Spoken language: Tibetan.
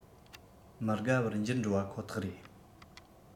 མི དགའ བར འགྱུར འགྲོ པ ཁོ ཐག རེད